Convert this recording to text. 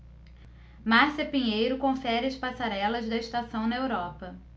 márcia pinheiro confere as passarelas da estação na europa